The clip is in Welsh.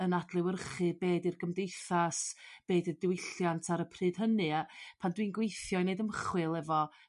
yn adlewyrchu be' 'di'r gymdeithas be' 'di'r diwylliant ar y pryd hynny a pan dwi'n gweithio i neud ymchwil efo